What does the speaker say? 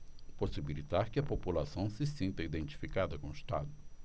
possibilitar que a população se sinta identificada com o estado